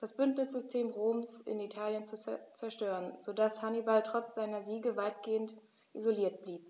das Bündnissystem Roms in Italien zu zerstören, sodass Hannibal trotz seiner Siege weitgehend isoliert blieb.